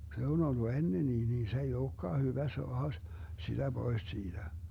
se on ollut ennenkin niin se ei olekaan hyvä saada - sitä pois siitä